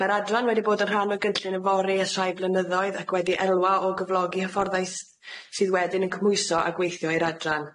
Ma'r adran wedi bod yn rhan o gynllun y fory ers rhai blynyddoedd ac wedi elwa o gyflogi hyfforddais sydd wedyn yn cymhwyso a gweithio i'r adran.